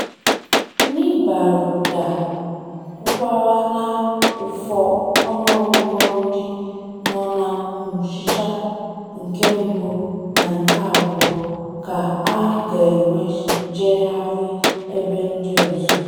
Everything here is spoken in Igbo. Nibaruta kwukwara na ụfọ ọnụọgụgụ ndị nọ na Mushasha nke mbụ na nke abụọ ka a ga-ewejeghari ebe ndị ọzọ.